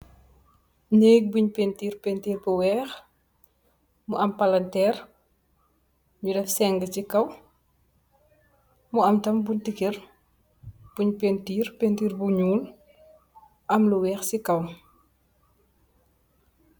Nèk buñ penter penter bu wèèx, mu am palanterr ñu def seng ci kaw , mu am tam bunti kèr buñ pentir, pentir bu ñuul am lu wèèx ci kaw.